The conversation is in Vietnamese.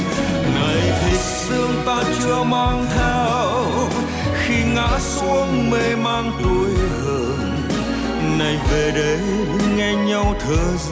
này thịt xương ta chưa mang theo khi ngã xuống mê man tủi hờn này về đây nghe nhau